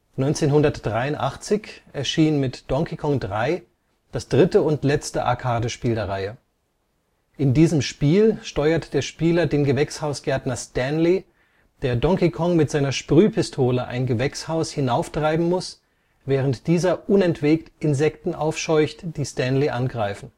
1983 erschien mit Donkey Kong 3 das dritte und letzte Arcade-Spiel der Reihe. In diesem Spiel steuert der Spieler den Gewächshausgärtner Stanley, der Donkey Kong mit seiner Sprühpistole ein Gewächshaus hinauf treiben muss, während dieser unentwegt Insekten aufscheucht, die Stanley angreifen